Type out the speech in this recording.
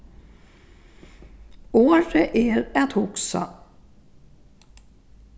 orðið er at hugsa